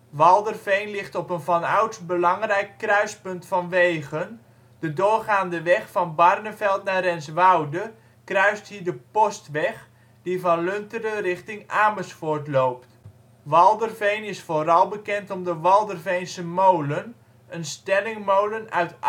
Walderveen ligt op een vanouds belangrijk kruispunt van wegen: de doorgaande weg van Barneveld naar Renswoude kruist hier de Postweg die van Lunteren richting Amersfoort loopt. Walderveen is vooral bekend om de Walderveense molen, een stellingmolen uit